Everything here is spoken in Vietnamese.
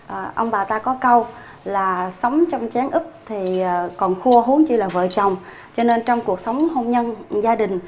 ông bà ta có câu là sống trong chén úp thì còn khua huống chi là vợ chồng cho nên trong cuộc sống hôn nhân gia đình